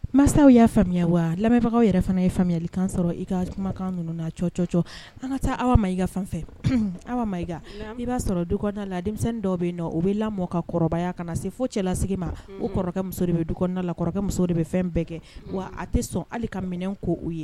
Masaw y'a faamuya wa lamɛnbagaw yɛrɛ fana y ye faamuya i k' sɔrɔ i ka kumakan ninnu cccɔ an ka taa aw ma i ka fɛn fɛ aw ma i i b'a sɔrɔ duk la denmisɛnnin dɔw bɛ nɔ o bɛ lamɔ mɔ ka kɔrɔbaya kana na se fo cɛlalasigi ma u kɔrɔkɛ muso de bɛ du la kɔrɔkɛ muso de bɛ fɛn bɛɛ kɛ wa a tɛ sɔn hali ka minɛn ko u ye